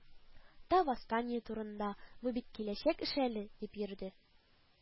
Та восстание турында, бу бит киләчәк эше әле, дип йөрде,